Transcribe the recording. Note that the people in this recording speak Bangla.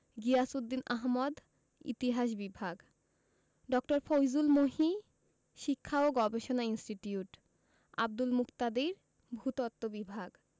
গিয়াসউদ্দিন আহমদ ইতিহাস বিভাগ ড. ফয়জুল মহি শিক্ষা ও গবেষণা ইনস্টিটিউট আব্দুল মুকতাদির ভূ তত্ত্ব বিভাগ